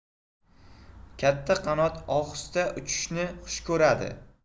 katta qanot ohista uchishni xush ko'radi